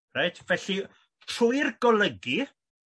Reit felly trwy'r golygi